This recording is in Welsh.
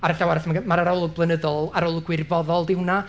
Ar y llaw arall, ma' g- ma'r arolwg blynyddol, arolwg gwirfoddol, 'di hwnna.